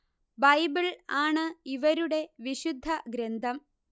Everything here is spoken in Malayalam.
ബൈബിൾ ആണ് ഇവരുടെ വിശുദ്ധ ഗ്രന്ഥം